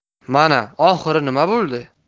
mana oxiri nima bo'ldi